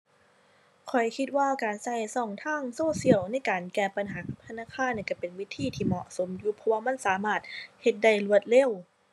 ข้อยคิดว่าการใช้ใช้ทางโซเชียลในการแก้ปัญหาของธนาคารเนี่ยใช้เป็นวิธีที่เหมาะสมอยู่ เพราะว่ามันสามารถเฮ็ดได้รวดเร็ว